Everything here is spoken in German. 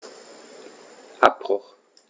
Abbruch.